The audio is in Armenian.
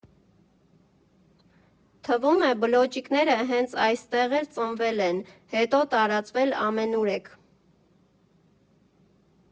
Թվում է՝ բլոճիկները հենց այստեղ էլ ծնվել են, հետո տարածվել ամենուրեք։